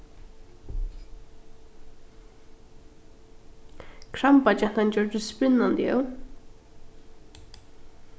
krambagentan gjørdist spinnandi óð